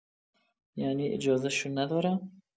یعنی اجازه‌ش رو ندارم.